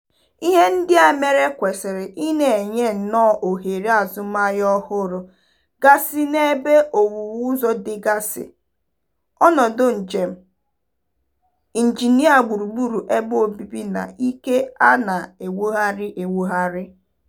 Ihe ndị a mere kwesịrị ị na-enye nnọọ ohere azụmahịa ọhụrụ gasị n'ebe owuwu ụzọ dị gasị, ọnọdụ njem, injinia gburugburu ebe obibi na ike a na-enwogharị enwogharị.